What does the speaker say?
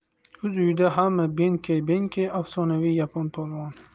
o'z uyida hamma benkey benkey afsonaviy yapon polvoni